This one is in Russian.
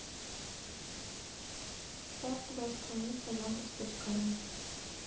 стартовая страница яндекс точка ру